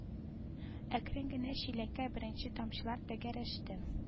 Әкрен генә чиләккә беренче тамчылар тәгәрәште